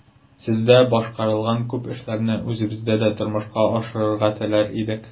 Сездә башкарылган күп эшләрне үзебездә дә тормышка ашырырга теләр идек.